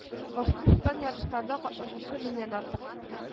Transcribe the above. Башкортстан ярышларда катнашучы меңнән артык